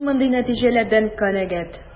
Мин мондый нәтиҗәләрдән канәгать.